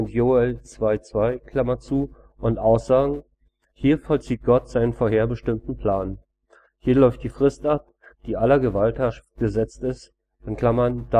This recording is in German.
Joel 2,2) und aussagen: Hier vollzieht Gott seinen vorherbestimmten Plan. Hier läuft die Frist ab, die aller Gewaltherrschaft gesetzt ist (Dan 7,12). Der